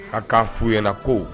A k'a f'u ɲɛna ko